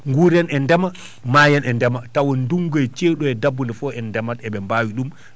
nguuren e ndema maayen e ndema taw ndunngu e ceeɗu e dabbude fof en ndemat eɓe mbaawi ɗum